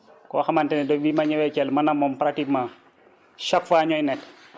koo xamante ne depuis bi mañëwee Thiel man ak moom pratiquement chaque fois ñooy nekk